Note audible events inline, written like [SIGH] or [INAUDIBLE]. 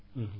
[HESITATION] [HESITATION]